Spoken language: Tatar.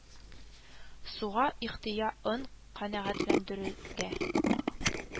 Суга ихтыя ын канәгатьләндерүгә